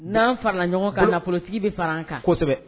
N'an farala ɲɔgɔn ka nafolotigi bɛ fara an kan kosɛbɛ